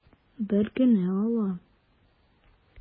Бер генә ала.